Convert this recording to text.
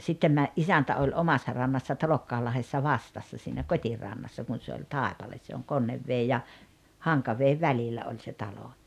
sitten - isäntä oli omassa rannassa Talokkaanlahdessa vastassa siinä kotirannassa kun se oli taipale se on Konneveden ja Hankaveden välillä oli se talo